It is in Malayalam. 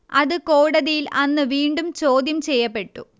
അത് കോടതിയിൽ അന്ന് വീണ്ടും ചോദ്യം ചെയ്യപ്പെട്ടു